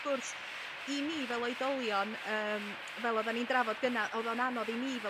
gwrs i ni fel oedolion yym fel o'dda ni'n drafod gyna o'dd o'n anodd i ni fel